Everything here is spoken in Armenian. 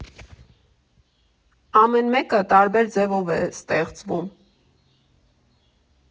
Ամեն մեկը տարբեր ձևով է ստեղծվում։